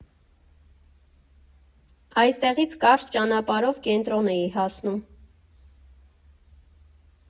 Այստեղից կարճ ճանապարհով կենտրոն էի հասնում։